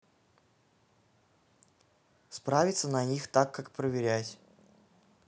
справиться на их так как проверять